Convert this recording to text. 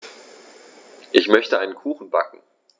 Ich möchte einen Kuchen backen.